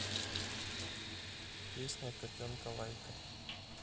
песня котенка лайка